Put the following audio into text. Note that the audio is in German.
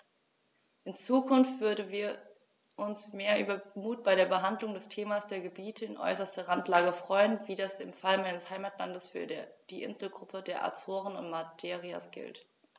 In Zukunft würden wir uns über mehr Mut bei der Behandlung des Themas der Gebiete in äußerster Randlage freuen, wie das im Fall meines Heimatlandes für die Inselgruppen der Azoren und Madeiras gilt.